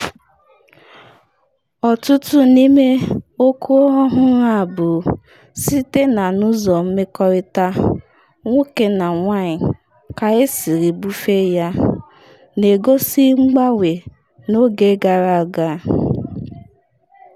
Ọtụtụ n’ime okwu ọhụrụ a bụ site na n’ụzọ mmekọrịta nwoke na nwanyị ka esiri bufee ya, na-egosi mgbanwe n’oge gara aga.